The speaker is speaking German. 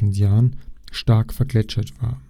Jahren) stark vergletschert war